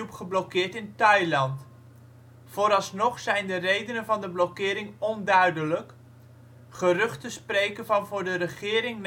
geblokkeerd in Thailand. Vooralsnog zijn de redenen van de blokkering onduidelijk, geruchten spreken van voor de regering